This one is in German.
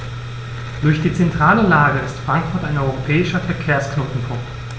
Durch die zentrale Lage ist Frankfurt ein europäischer Verkehrsknotenpunkt.